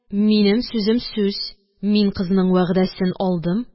– минем сүзем сүз, мин кызның вәгъдәсен алдым